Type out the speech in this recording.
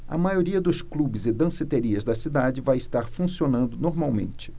a maioria dos clubes e danceterias da cidade vai estar funcionando normalmente